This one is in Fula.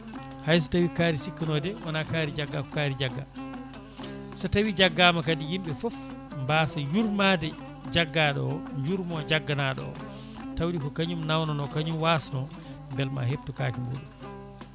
hayso tawi kaari sikkano de wona kaari jagga ko kaari jagga so tawi jaggama kadi yimɓe foof mbaasa yurmade jaggaɗo o jurmo jagganaɗo o tawde ko kañum nawanano ko kañum waasno beele ma heptu kaake muɗum